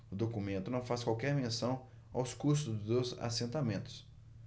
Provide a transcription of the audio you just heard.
o documento não faz qualquer menção aos custos dos assentamentos